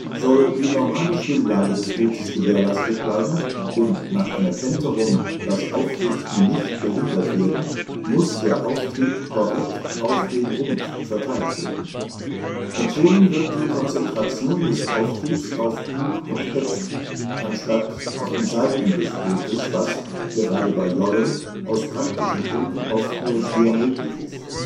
Soll die normale Schwimmlage des Bootes gewährleistet bleiben und nach einer Kenterung das Aufrichten nicht behindert werden, muss der Auftrieb korrekt auf den Rumpf verteilt werden. Empfohlen wird die Konzentration des Auftriebs auf Bug und Heck, anstatt auf die Seiten des Bootes, was (gerade bei Jollen) aus praktischen Gründen oft nur schwer möglich ist